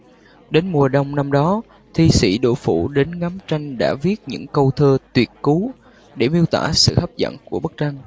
đến mùa đông năm đó thi sĩ đỗ phủ đến ngắm tranh đã viết những câu thơ tuyệt cú để miêu tả sức hấp dẫn của bức tranh